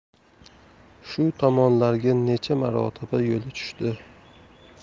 shu tomonlarga necha marotaba yo'li tushdi